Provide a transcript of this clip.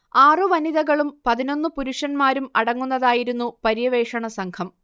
ആറു വനിതകളും പതിനൊന്നു പുരുഷന്മാരും അടങ്ങുന്നതായിരുന്നു പര്യവേഷണ സംഘം